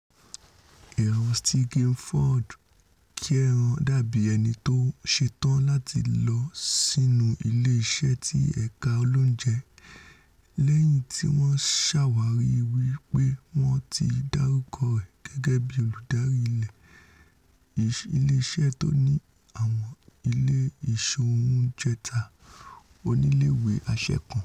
Ìràwọ Still Game Ford Kieran dábì ẹnitó ṣetán láti lọ sínú ilé iṣẹ́ ti ẹka olóúnjẹ lẹ́yìn tíwọ́n ṣàwárí wí pé wọ́n ti dárúkọ rẹ̀ gẹ́gẹ́bí olùdarí ile iṣẹ́ tóní àwọn ile ìsoúnjẹta oníìwé-àṣẹ kan.